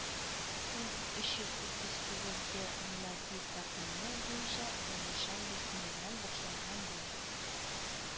Мең өч йөз утыз тугыз ел милади тәкъвиме буенча пәнҗешәмбе көненнән башланган ел